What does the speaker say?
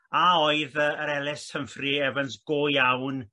a oedd yy yr Ellis Humphrey Evans go iawn